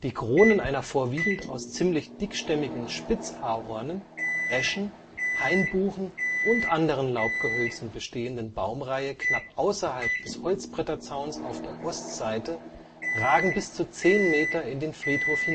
Kronen einer vorwiegend aus ziemlich dickstämmigen Spitz-Ahornen, Eschen, Hainbuchen und anderen Laubgehölzen bestehenden Baumreihe knapp außerhalb des Holzbretterzauns auf der Ostseite ragen bis zu zehn Meter in den Friedhof